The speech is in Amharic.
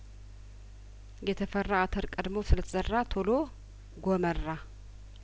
የተፈራ አተር ቀድሞ ስለተዘራ ቶሎ ጐመራ